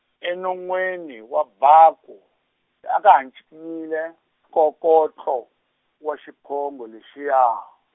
enon'weni wa baku, a ka ha ncikinyile nkongotlo wa xiphongo lexiya.